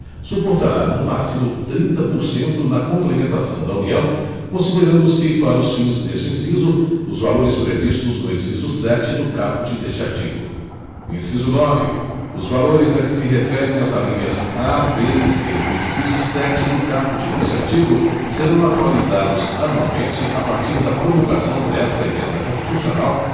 suportará no máximo trinta por cento da complementação da união considerando se para os fins deste inciso os valores previstos no inciso sete do caput deste artigo inciso oito os valores a que se referem as alíneas a b e c do inciso sete do caput deste artigo serão atualizados anualmente a partir da promulgação desta emenda constitucional